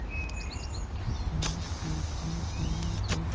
tanish sovchilar hamon tez